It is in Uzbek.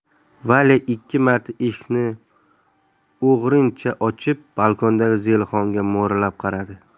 valya ikki marta eshikni o'g'rincha ochib balkondagi zelixonga mo'ralab qaradi